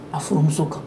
A furumuso kan